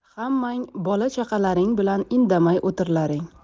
hammang bola chaqalaring bilan indamay o'tirlaring